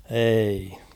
ei